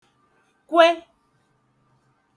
kwe